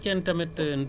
benn bi nga def ko waaw